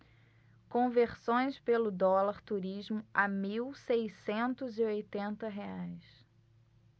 conversões pelo dólar turismo a mil seiscentos e oitenta reais